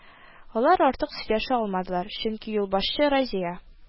Алар артык сөйләшә алмадылар, чөнки юлбашчы Разия: